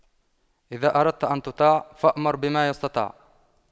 إذا أردت أن تطاع فأمر بما يستطاع